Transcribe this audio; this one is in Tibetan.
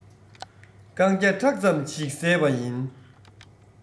རྐང བརྒྱ ཕྲག ཙམ ཞིག བཟས པ ཡིན